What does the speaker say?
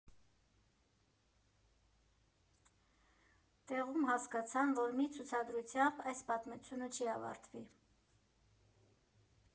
Տեղում հասկացան, որ մի ցուցադրությամբ այս պատմությունը չի ավարտվի.